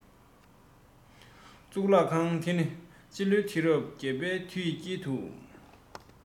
གཙུག ལག ཁང དེ ནི སྤྱི ལོའི དུས རབས ༨ པའི དུས དཀྱིལ དུ